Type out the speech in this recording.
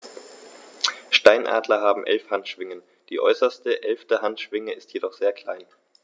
Steinadler haben 11 Handschwingen, die äußerste (11.) Handschwinge ist jedoch sehr klein.